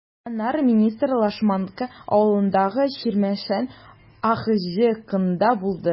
Аннары министр Лашманка авылындагы “Чирмешән” АХҖКында булды.